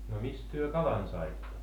no mistä te kalan saitte